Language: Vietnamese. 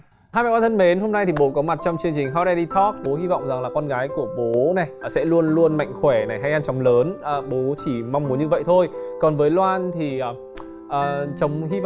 hai mẹ con thân mến hôm nay thì bộ có mặt trong chương trình hót ai đi thoóc của hi vọng rằng là con gái của bố này sẽ luôn luôn mạnh khỏe này hay ăn chóng lớn ờ bố chỉ mong muốn như vậy thôi còn với loan thì ờ chống hi vọng